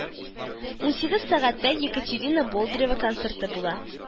Унсигез сәгатьтә екатерина болдарева концерты була